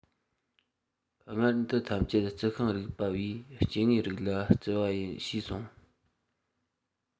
སྔར འདི ཐམས ཅད རྩི ཤིང རིག པ བས སྐྱེ དངོས རིགས ལ བརྩི བ ཡིན ཞེས གསུངས